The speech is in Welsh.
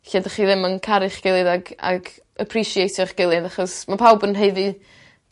lle 'dych chi ddim yn caru'ch gilydd ag ag apresiato eich gilydd achos ma' pawb yn haeddu